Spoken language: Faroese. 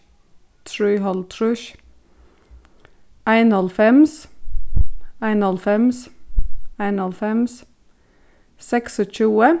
trýoghálvtrýss einoghálvfems einoghálvfems einoghálvfems seksogtjúgu